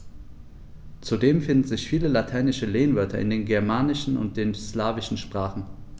Zudem finden sich viele lateinische Lehnwörter in den germanischen und den slawischen Sprachen.